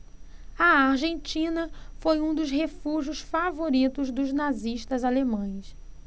a argentina foi um dos refúgios favoritos dos nazistas alemães